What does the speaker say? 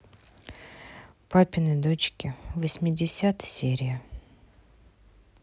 папины дочки восемьдесят серия